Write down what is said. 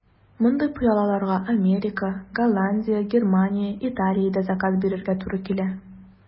Мондый пыялаларга Америка, Голландия, Германия, Италиядә заказ бирергә туры килә.